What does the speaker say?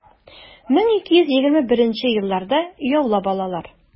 1221 елларда яулап алалар.